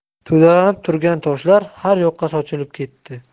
to'dalanib turgan toshlar har yoqqa sochilib ketdi